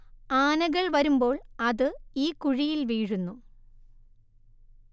ആനകൾ വരുമ്പോൾ അത് ഈ കുഴിയിൽ വീഴുന്നു